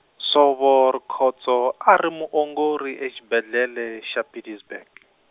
Nsovo Rikhotso a ri muongori exibedlele xa Pietersburg.